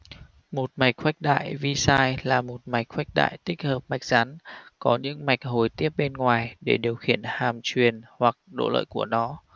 một mạch khuếch đại vi sai là một mạch khuếch đại tích hợp mạch rắn có những mạch hồi tiếp bên ngoài để điều khiển hàm truyền hoặc độ lợi của nó